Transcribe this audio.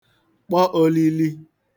kpọ ōlīlī